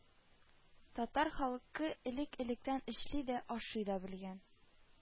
Татар халкы элек-электән эшли дә, ашый да белгән